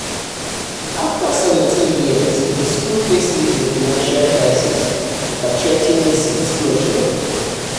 After 17 years, the school faces a financial crisis that threatens its closure.